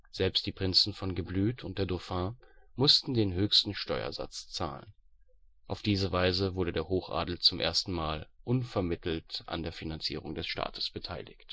Selbst die Prinzen von Geblüt und der Dauphin mussten den höchsten Steuersatz zahlen. Auf diese Weise wurde der Hochadel zum ersten Mal, unvermittelt an der Finanzierung des Staates beteiligt